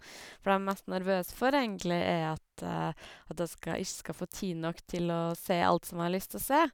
For det jeg er mest nervøs for, egentlig, er at at jeg skal ikke skal få tid nok til å se alt som jeg har lyst å se.